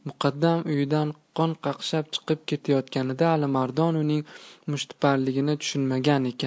muqaddam uyidan qon qaqshab chiqib ketayotganida alimardon uning mushtiparligini tushunmagan ekan